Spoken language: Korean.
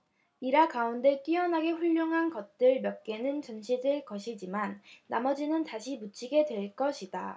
미라 가운데 뛰어나게 훌륭한 것들 몇 개는 전시될 것이지만 나머지는 다시 묻히게 될 것이다